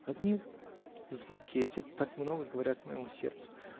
Одни звуки эти так много говорят моему сердцу!